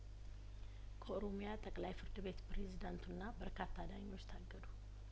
ከኦሮሚያ ጠቅላይ ፍርድ ቤት ፕሬዝዳንቱና በርካታ ዳኞች ታገዱ